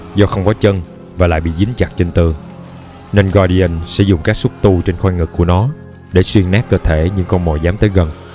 do không có chân và lại bị dính chặt trên tường nên guardian sẽ dùng các xúc tu trên khoang ngực của nó để xuyên nát cơ thể những con mồi dám tới gần